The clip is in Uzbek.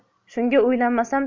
shunga uylanmasam